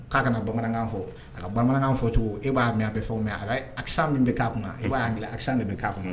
Ka kana bamanankan fɔ . A ka bamanankan fɔ cogo e ba mɛn a ba fɔ accent min bɛ ka kunna i ba ye Agilɛ accent de bi kɛ a kun.